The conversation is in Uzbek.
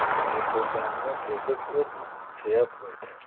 yiqilganni tepib o'tma suyab o't